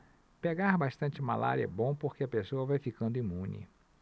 pegar bastante malária é bom porque a pessoa vai ficando imune